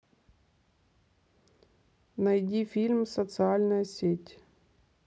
найди фильм социальная сеть